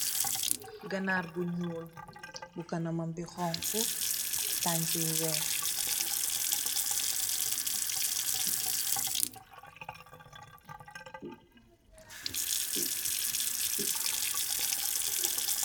Ganar bu nuul bu kanamam be hauhu tanka ye weehe.